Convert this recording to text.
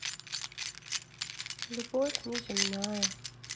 любовь неземная